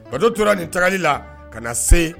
Bateau tora nin tagali la kana se